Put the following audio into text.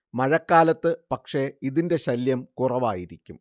മഴക്കാലത്ത് പക്ഷേ ഇതിന്റെ ശല്യം കുറവായിരിക്കും